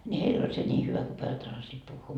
niin heillä oli se niin hyvä kun pojat osasivat puhua